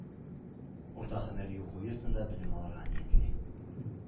Урта һөнәри уку йортында белем алырга ниятли.